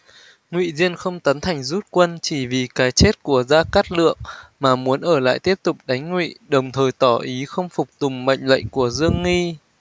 ngụy diên không tán thành rút quân chỉ vì cái chết của gia cát lượng mà muốn ở lại tiếp tục đánh ngụy đồng thời tỏ ý không phục tùng mệnh lệnh của dương nghi